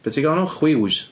Be ti'n galw nhw'n chwils?